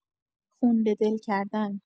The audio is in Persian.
خون به دل کردن